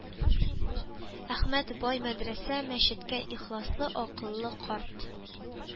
Әхмәт бай мәдрәсә, мәчеткә ихласлы, “акыллы“ карт.